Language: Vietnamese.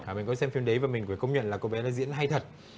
mình có xem phim đấy và mình phải công nhận là cô bé đấy diễn hay thật